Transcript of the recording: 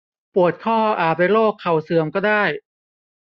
ปวดข้ออาจเป็นโรคเข่าเสื่อมก็ได้